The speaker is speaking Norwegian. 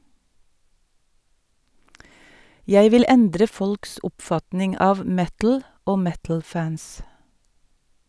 Jeg vil endre folks oppfatning av metal og metal-fans.